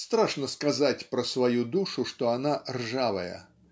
Страшно сказать про свою душу, что она - ржавая